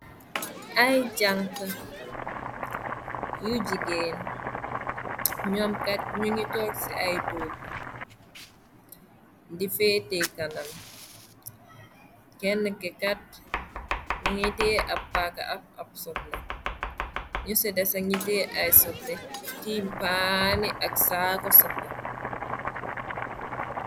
Ay jànk yu jigeen , ñoom kat ñu ngi toog ci ay toogi, di feete kanam, kenn ke kat m ngitee ab pakk ab ab sople, ñu se defa ngite ay sople ti paani ak shaako sople.